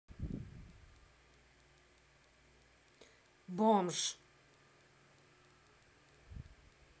бомж